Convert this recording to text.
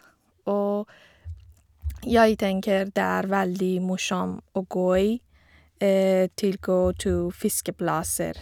Og jeg tenker det er veldig morsom å gå i til gå to fiskeplasser.